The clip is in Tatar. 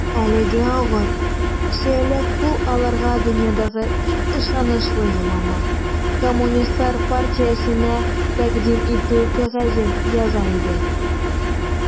Әлеге авыр, сөялле кул аларга дөньядагы иң ышанычлы юллама - Коммунистлар партиясенә тәкъдим итү кәгазен яза иде.